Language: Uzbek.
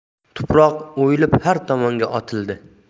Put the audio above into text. tuproq o'yilib har tomonga otildi